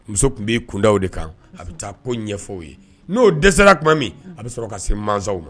Muso tun bɛ kunda de kan a bɛ taa ko ɲɛfɔw ye n'o dɛsɛra tuma min a bɛ sɔrɔ ka se mansaw ma